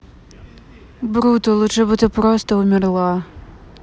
brutto лучше бы ты просто умерла